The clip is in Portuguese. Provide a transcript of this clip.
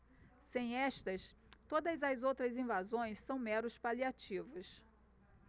sem estas todas as outras invasões são meros paliativos